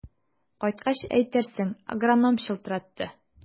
Кайткач әйтерсең, агроном чылтыратты.